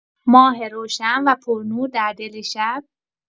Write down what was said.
ماه روشن و پرنور در دل شب